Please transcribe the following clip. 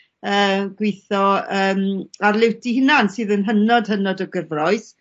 yy gwitho yym ar liwt 'i hunan sydd yn hynod hynod o gyffoes.